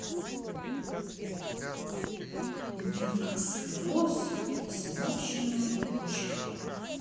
нефросклероз или сморщенная почка